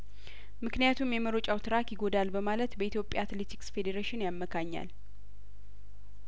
ምክንያቱም የመሮጫው ትራክ ይጐዳል በማለት በኢትዮጵያ አትሌቲክስ ፌዴሬሽን ያመካኛል